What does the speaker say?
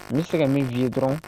Ne bɛ fɛ ka min fɔ i ye dɔrɔn